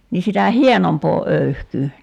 niin sitä hienompaa öyhkyä